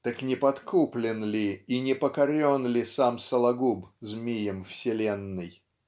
Так, не подкуплен ли и не покорен ли сам Сологуб Змием вселенной?